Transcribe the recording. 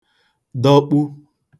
dọkpu